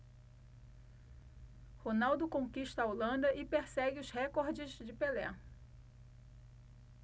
ronaldo conquista a holanda e persegue os recordes de pelé